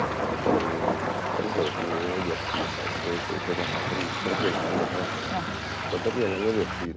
còn không hiểu tiếng người việt thì tôi cho rằng là không thể làm ăn được đâu còn tất nhiên người việt thì